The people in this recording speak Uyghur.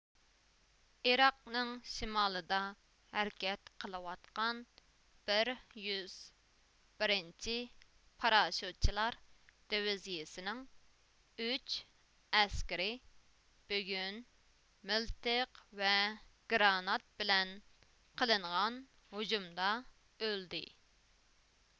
ئىراقنىڭ شىمالىدا ھەرىكەت قىلىۋاتقان بىر يۈز بىرىنجى پاراشوتچىلار دىۋىزىيىسىنىڭ ئۈچ ئەسكىرى بۈگۈن مىلتىق ۋە گرانات بىلەن قىلىنغان ھۇجۇمدا ئۆلدى